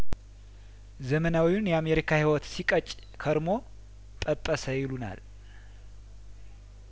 ዘመናዊውን የአሜሪካ ህይወት ሲቀጭ ከርሞ ጰጰሰ ይሉናል